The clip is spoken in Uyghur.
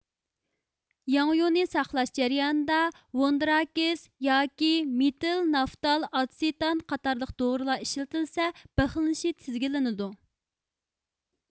ياڭيۇنى ساقلاش جەريانىدا ۋوندراكىس ياكى مېتىل نافتال ئاتسېتان قاتارلىق دورىلار ئىشلىتىلسە بىخلىنىشى تىزگىنلىنىدۇ